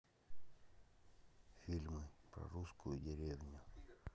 фильмы про русскую деревню